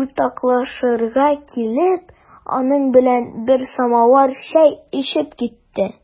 уртаклашырга килеп, аның белән бер самавыр чәй эчеп китте.